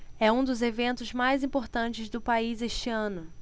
é um dos eventos mais importantes do país este ano